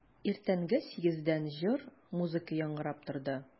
Иртәнге сигездән җыр, музыка яңгырап торды.